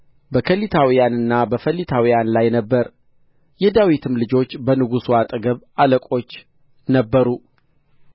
በከሊታውያንና በፈሊታውያን ላይ ነበረ የዳዊትም ልጆች በንጉሡ አጠገብ አለቆች ነበሩ